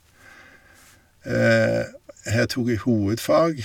Her tok jeg hovedfag.